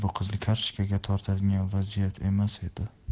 kartochkaga tortadigan vaziyat emas edi